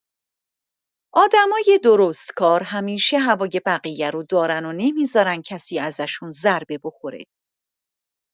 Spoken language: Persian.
آدمای درستکار همیشه هوای بقیه رو دارن و نمی‌ذارن کسی ازشون ضربه بخوره.